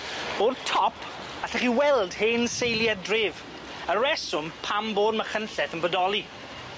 O'r top allech chi weld hen seilie dref, y reswm pam bod Machynlleth yn bodoli.